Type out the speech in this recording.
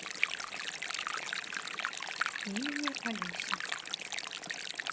имени олеся